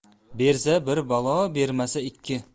bersa bir balo bermasa ikki